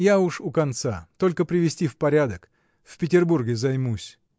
— Я уж у конца — только привести в порядок, в Петербурге займусь.